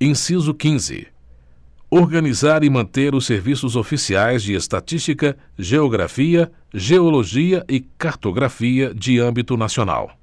inciso quinze organizar e manter os serviços oficiais de estatística geografia geologia e cartografia de âmbito nacional